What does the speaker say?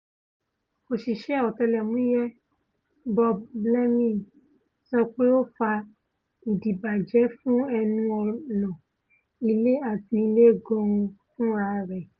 Òṣiṣẹ́ Ọ̀tẹlẹ̀múyẹ́ Bob Blemmings sọ pé ó fa ìdíbàjẹ́ fún ẹnu-ọ̀nà ilé àti ile gan-an fúnrarẹ̀.